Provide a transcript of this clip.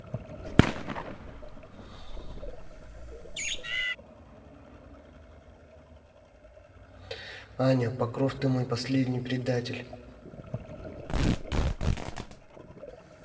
аня покров ты мой последний предатель